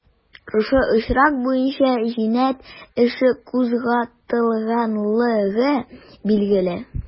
Шушы очрак буенча җинаять эше кузгатылганлыгы билгеле.